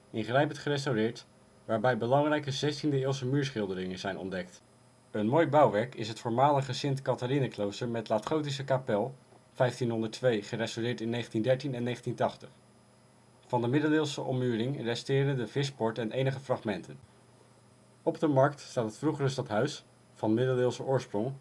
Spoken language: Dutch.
ingrijpend gerestaureerd, waarbij belangrijke 16e-eeuwse muurschilderingen zijn ontdekt. Een mooi bouwwerk is het voormalige St. Catharinaklooster met laatgotische kapel (1502; gerestaureerd in 1913 en 1980). Van de middeleeuwse ommuring resteren de Vischpoort en enige fragmenten. Op de markt staat het vroegere stadhuis, van middeleeuwse oorsprong